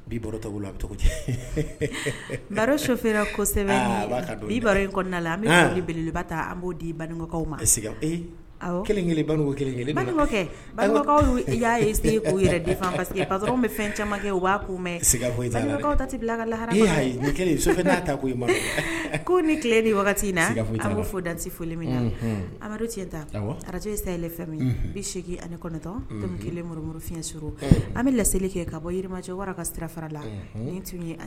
Di'a fɛn kɛ mɛnkaw tɛ bila ka lahara ko ni tile bɛ in na an bɛ fɔ dan foli min na amadu tiɲɛ ta araj ye se bi segin anitɔ kelen fi suru an bɛ laeli kɛ ka bɔjɔ wara ka sira fara la tun ye